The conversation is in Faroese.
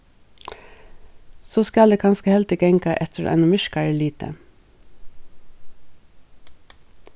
so skal eg kanska heldur ganga eftir einum myrkari liti